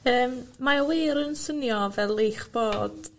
Yym mae o wir yn swnio fel eich bod